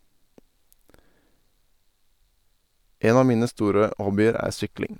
En av mine store hobbyer er sykling.